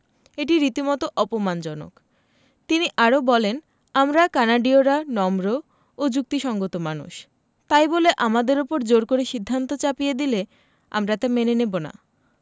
এটি রীতিমতো অপমানজনক তিনি আরও বলেন আমরা কানাডীয়রা নম্র ও যুক্তিসংগত মানুষ তাই বলে আমাদের ওপর জোর করে সিদ্ধান্ত চাপিয়ে দিলে আমরা তা মেনে নেব না